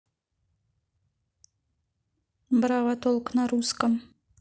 браво толк на русском